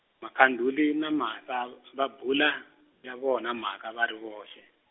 Makhanduli na Martha va bula, ya vona mhaka va ri voxe.